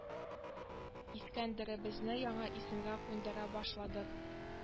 Искәндәребезне яңа исемгә күндерә башладык